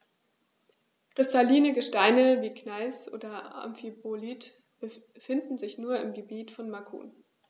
Kristalline Gesteine wie Gneis oder Amphibolit finden sich nur im Gebiet von Macun.